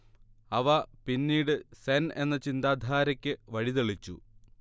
അവ പിന്നീട് സെൻ എന്ന ചിന്താധാരക്ക് വഴിതെളിച്ചു